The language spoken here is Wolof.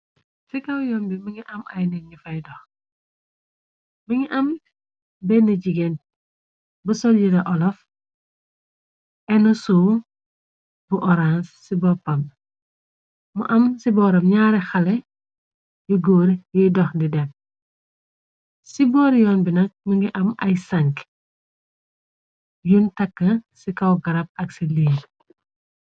Ci kaw yoon bi mi ngi am ay nit ñi fay dox, mi ngi am benna jigéen ba sodire olaf , enu suw bu orange ci boppamb , mu am ci booram ñaari xale yu góor yuy dox di den ci boori yoon bi , nak mi ngi am ay sank yun takka ci kaw garab ak ci liili.